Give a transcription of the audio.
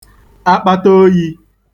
akpataoyī